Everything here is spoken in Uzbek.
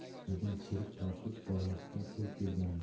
bu yerdan cherik tortib bormoqqa so'z berganmiz